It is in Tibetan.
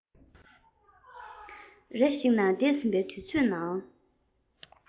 རེ ཞིག ན འདས ཟིན པའི དུས ཚོད ནང